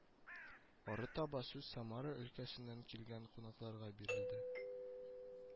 Арытаба сүз Самара өлкәсеннән килгән кунакларга бирелде